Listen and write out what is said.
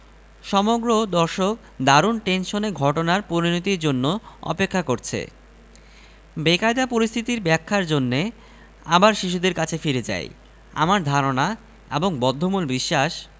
সমগ্র দর্শক দারুণ টেনশনে ঘটনার পরিণতির জন্যে অপেক্ষা করছে বেকায়দা পরিস্থিতির ব্যাখ্যার জন্যে আবার শিশুদের কাছে ফিরে যাই আমার ধারণা এবং বদ্ধমূল বিশ্বাস